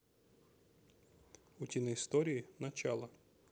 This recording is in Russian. утиные истории начало